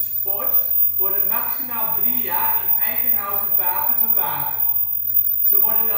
ports worden maximaal drie jaar in eikenhouten vaten bewaard. Ze worden